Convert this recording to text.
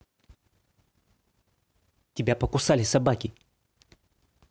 тебя покусали собаки